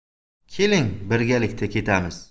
keling birgalikda ketamiz